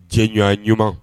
Cɛ ɲɔ ɲuman